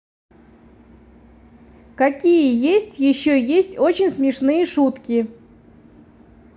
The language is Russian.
какие есть еще есть очень смешные шутки